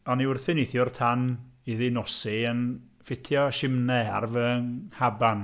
O'n i wrthi'n neithiwr tan iddi nosi yn ffitio simnai ar fy nghaban.